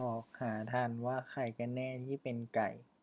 บอกหาทันว่าใครกันแน่ที่เป็นไก่